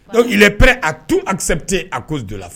Dɔnku pɛ a tun asɛpte a k'o jo la